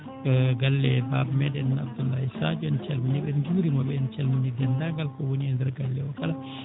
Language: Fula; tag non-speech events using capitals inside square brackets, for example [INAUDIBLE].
[HESITATION] galle Baaba meeɗen Abdoulaye Sadio en calminii ɓe en njuuriima ɓe en calminii deenndaangal ko woni e ndeer galle o kala